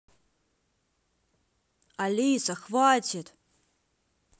алиса хватит